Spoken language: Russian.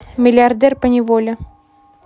миллиардер поневоле